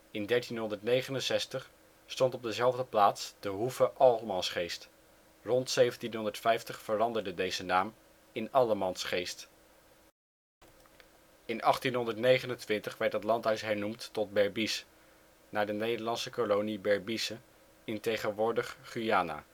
In 1369 stond op dezelfde plaats de hoeve Almansgeest; rond 1750 veranderde deze naam in Allemansgeest. In 1829 werd het landhuis hernoemd tot Berbice, naar de Nederlandse kolonie Berbice in tegenwoordig Guyana